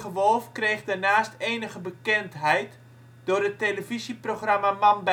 Wolf kreeg daarnaast enige bekendheid door het televisieprogramma Man